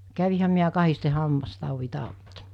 kävinhän minä kahdesti hammastaudin tautta